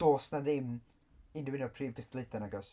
Does 'na ddim unryw un o'r prif cystadlaethau nag oes?